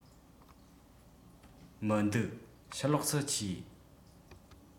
མི འདུག ཕྱི ལོགས སུ མཆིས